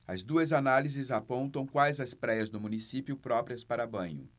as duas análises apontam quais as praias do município próprias para banho